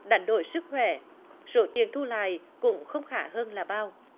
đánh đổi sức khỏe số tiền thu lại cũng không khá hơn là bao